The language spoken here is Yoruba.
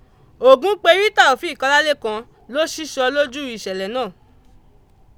Ògúnperí Tàòfíìk Ọlálékan ló ṣíṣọ lójúu ìṣẹ̀lẹ̀ náà.